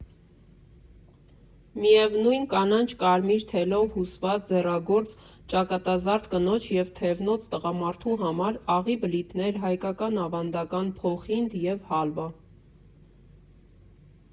Միևնույն կանաչ֊կարմիր թելով հյուսված ձեռագործ ճակատազարդ՝ կնոջ և թևնոց՝ տղամարդու համար, աղի բլիթներ, հայկական ավանդական փոխինդ և հալվա։